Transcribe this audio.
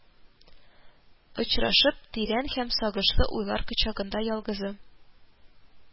Очрашып, тирән һәм сагышлы уйлар кочагында ялгызы